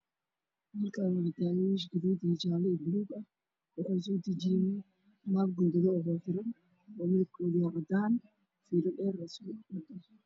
Halkan waad laami ga waxaa ka dhisan goleejaale ah deked ahaan waaye waxaa ka soo degaayo alaab caddaana